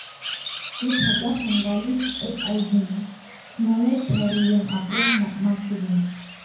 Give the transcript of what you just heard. Ես հաճախ եմ գալիս էս այգին, չնայած հեռու եմ ապրում՝ Մասիվում։